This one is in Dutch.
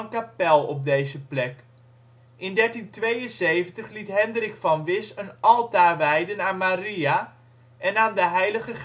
kapel op deze plek. In 1372 liet Hendrik van Wisch een altaar wijden aan Maria en aan de heilige